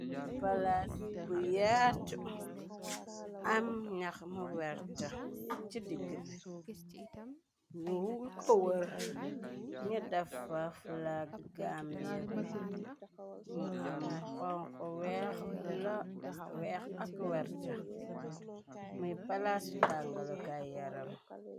palaas bu yaatu am ñax ma werta ci digg me ñu wul ko wër ñi dafa flag gambie bi nu am xonxu weex bu la weex ak werta muy palaasi tàngalu kay yaram